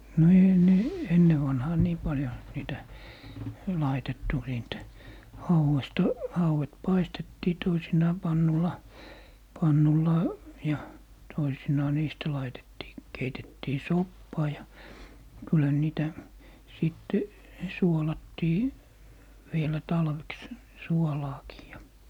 no ei ne ennen vanhaan niin paljon niitä laitettu siitä hauesta hauet paistettiin toisinaan pannulla pannulla ja toisinaan niistä laitettiin keitettiin soppaa ja kyllähän ne niitä sitten suolattiin vielä talveksi suolaakin ja